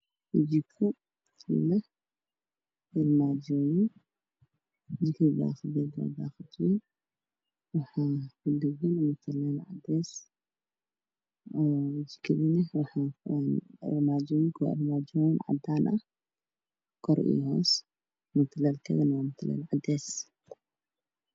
Waa jiko leh armaajooyin jikada daaqadeedu waa daaqad wayn. waxaa kudhagan mutuleel cadeys, armaajooyinku waa cadaan ah kor iyo hoos mutuleelkuna waa cadeys.